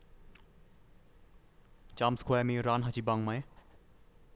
จามสแควร์มีร้านฮาจิบังไหม